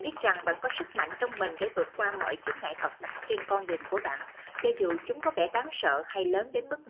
hãy biết rằng bạn có sức mạnh trong mình để vượt qua mọi chướng ngại vật đặt trên con đường của bạn cho dù chúng có vẻ đáng sợ hay lớn đến mức nào